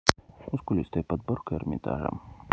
мускулистая подборка эрмитажа